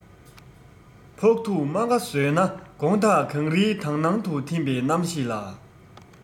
ཕོག ཐུག རྨ ཁ བཟོས ན དགོངས དག གངས རིའི དག སྣང དུ ཐིམ པའི རྣམ ཤེས ལ